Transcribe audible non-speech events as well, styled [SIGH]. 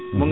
[HESITATION] [HESITATION] [NOISE]